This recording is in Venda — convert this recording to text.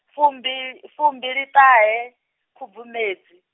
fumbi- fumbiliṱahe, Khubvumedzi.